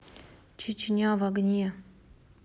чечня в огне